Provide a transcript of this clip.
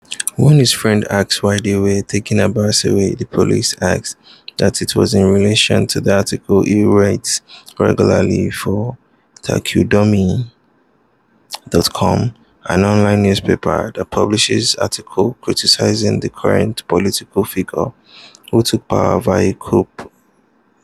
When his friend asked why they were taking Abbass away, the police answered that in was in relation to the articles he writes regularly for Taqadoumy.com, an online newspaper that publishes articles criticizing the current political figures who took power via a coup d'etat.